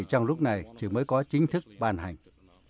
trong lúc này mới có chính thức ban hành